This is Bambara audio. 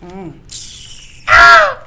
Un